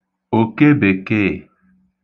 òkebèkeè